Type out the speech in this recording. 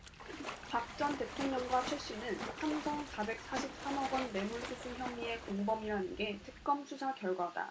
박 전 대통령과 최씨는 삼성 사백 삼십 삼 억원 뇌물수수 혐의의 공범이라는 게 특검 수사 결과다